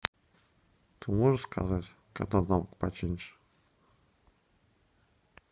ты можешь сказать когда навык починишь